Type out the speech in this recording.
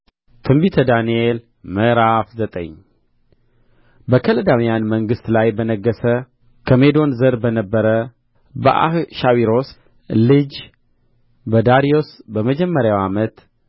ትንቢተ ዳንኤል ምዕራፍ ዘጠኝ በከለዳውያን መንግሥት ላይ በነገሠ ከሜዶን ዘር በነበረ በአሕሻዊሮስ ልጅ በዳርዮስ በመጀመሪያ ዓመት